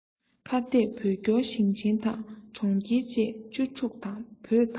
ཁ གཏད བོད སྐྱོར ཞིང ཆེན དང གྲོང ཁྱེར བཅས བཅུ དྲུག དང བོད དང